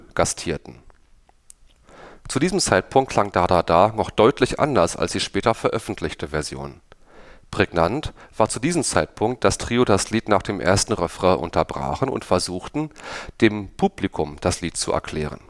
gastierten. Zu diesem Zeitpunkt klang „ Da da da “noch deutlich anders als die heute bekannte Version. Prägnant war zu diesem Zeitpunkt, dass Trio das Lied nach dem ersten Refrain unterbrachen und versuchten, dem Publikum das Lied zu erklären